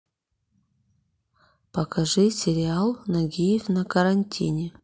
покажи сериал нагиев на карантине